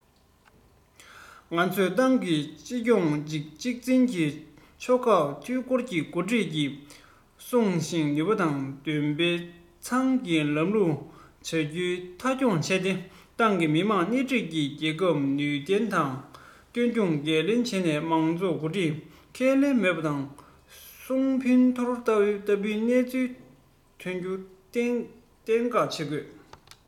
ང ཚོས ཏང གི སྤྱི ཡོངས གཅིག འཛིན དང ཕྱོགས ཁག མཐུན སྦྱོར གྱི འགོ ཁྲིད ཀྱི སྲོག ཤིང ནུས པ འདོན སྤེལ ཚང གི ལམ ལུགས བྱ རྒྱུ མཐའ འཁྱོངས བྱས ཏེ ཏང གིས མི དམངས སྣེ ཁྲིད དེ རྒྱལ ཁབ ནུས ལྡན ངང སྐྱོང རྒྱུའི འགན ལེན བྱས ནས མང ཚོགས འགོ འཁྲིད མཁན མེད པ དང སྲན ཕུང ཐོར བ ལྟ བུའི སྣང ཚུལ ཐོན རྒྱུ གཏན འགོག བྱེད དགོས